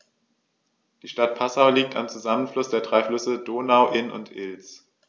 Die Stadt Passau liegt am Zusammenfluss der drei Flüsse Donau, Inn und Ilz.